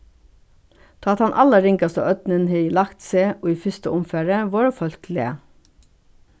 tá tann allarringasta ódnin hevði lagt seg í fyrsta umfari vóru fólk glað